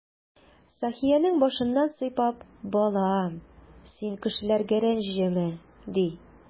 Сәхиянең башыннан сыйпап: "Балам, син кешеләргә рәнҗемә",— ди.